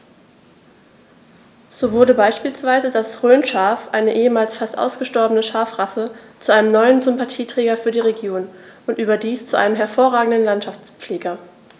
So wurde beispielsweise das Rhönschaf, eine ehemals fast ausgestorbene Schafrasse, zu einem neuen Sympathieträger für die Region – und überdies zu einem hervorragenden Landschaftspfleger.